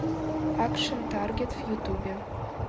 акшен таргет в ютубе